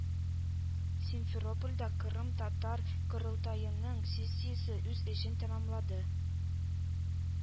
Симферопольдә кырымтатар Корылтаеның сессиясе үз эшен тәмамлады